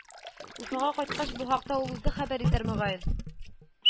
Уфага кайткач, бу хакта ул үзе хәбәр итәр, мөгаен